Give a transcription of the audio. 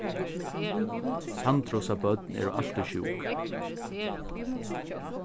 sandrusa børn eru altíð sjúk